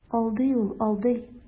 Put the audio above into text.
Алдый ул, алдый.